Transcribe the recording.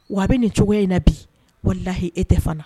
Wa ,a bɛ nin cogoya in na bi wallahi e tɛ Fana.